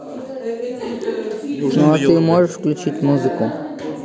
ну а ты можешь включать музыку